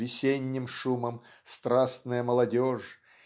весенним шумом страстная молодежь